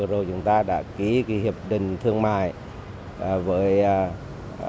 vừa rồi chúng ta đã ký hiệp định thương mại à với à